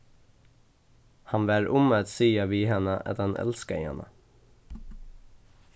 hann var um at siga við hana at hann elskaði hana